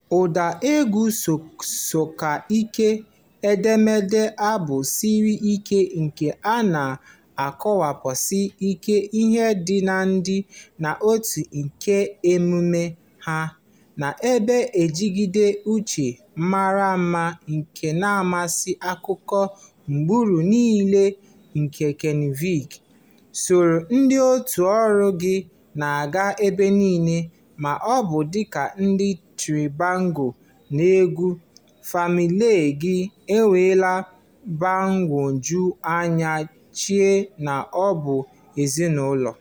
ụda egwu "sọka ike", edemede abụ siri ike nke na-akọwapụsị isi ihe dị n'ịdị n'otu nke mmemme ahụ, na ebe njigide uche mara mma nke na-amasị akụkụ agbụrụ niile nke Kanịva — soro ndị òtù ọrụ gị na-aga ebe niile, ma ọ bụ dịka ndị Trinbago na-ekwu, "famalay" gị (enwela mgbagwoju anya chee na ọ bụ "ezinụlọ"):